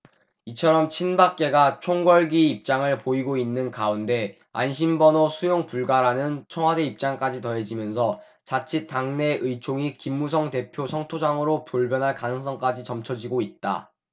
이처럼 친박계가 총궐기 입장을 보이고 있는 가운데 안심번호 수용불가라는 청와대 입장까지 더해지면서 자칫 당내 의총이 김무성 대표 성토장으로 돌변할 가능성까지 점쳐지고 있다